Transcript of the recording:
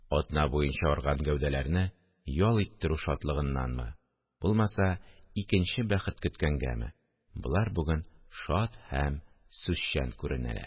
Атна буенча арыган гәүдәләрне ял иттерү шатлыгыннанмы, булмаса, икенче «бәхет» көткәнгәме – болар бүген шат һәм сүзчән күренәләр